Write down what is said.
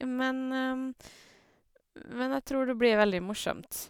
men Men jeg tror det blir veldig morsomt.